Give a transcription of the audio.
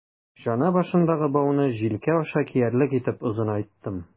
Чана башындагы бауны җилкә аша киярлек итеп озынайттым.